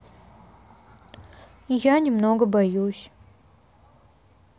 я немного боюсь